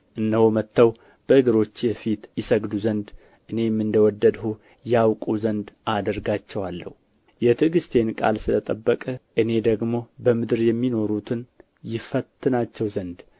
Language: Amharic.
እነሆ መጥተው በእግሮችህ ፊት ይሰግዱ ዘንድ እኔም እንደ ወደድሁህ ያውቁ ዘንድ አደርጋቸዋለሁ የትዕግሥቴን ቃል ስለ ጠበቅህ እኔ ደግሞ በምድር የሚኖሩትን ይፈትናቸው ዘንድ